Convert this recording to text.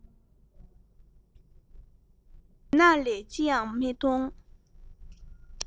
མུན ནག ལས ཅི ཡང མི མཐོང